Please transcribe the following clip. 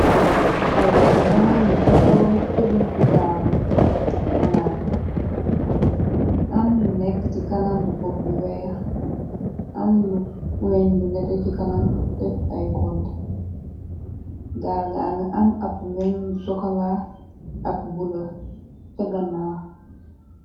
Ay waruwaay yu taxaw ci buntu gaal rangale moo nga am bu nekk ci kanam bu bopbi weex am lu weñ bu nete ci kanam def ay konte gaal gal nga am ab weñ bu sokala ab bula ca gannaaw.